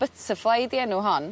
Butterfly ydi enw hon,